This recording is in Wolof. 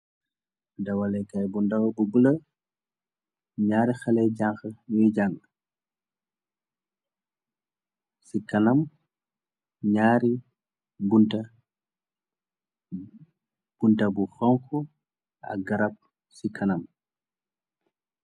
Dawalèkaay bu ndaw bu bulo. Naari haley jànghar nyi jàng. Ci kanam naari bunta. Bunta bu honku ak garab ci kanam.